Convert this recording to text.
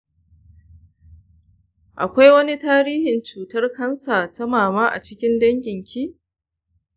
akwai wani tarihin cutar kansa ta mama a cikin danginki?